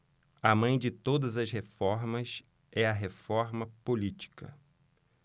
a mãe de todas as reformas é a reforma política